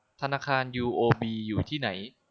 ธนาคารยูโอบีอยู่ที่ไหน